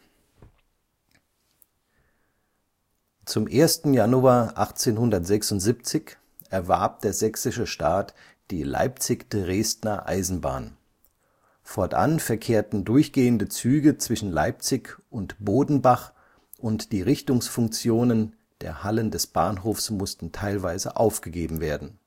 Zum 1. Januar 1876 erwarb der sächsische Staat die Leipzig-Dresdner Eisenbahn. Fortan verkehrten durchgehende Züge zwischen Leipzig und Bodenbach und die Richtungsfunktionen der Hallen des Bahnhofs mussten teilweise aufgegeben werden